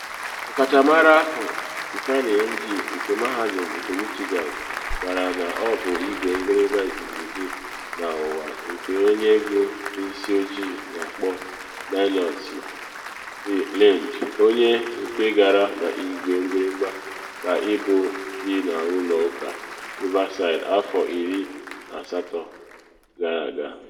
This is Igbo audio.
Ọkachamara ahụ, Tiffany Ng nke Mahadum nke Michigan, kwukwara na ọ bụ igwe mgbịrịmgba izizi dị n’ụwa nke onye egwu isi ojii ga-akpọ, Dionisio A. Lind, onye nke gara n’igwe mgbịrịmgba ka ibu dị na Ụlọ Ụka Riverside afọ 18 gara aga.